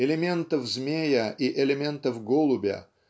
элементов змея и элементов голубя